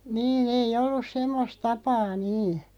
niin ei ollut semmoista tapaa niin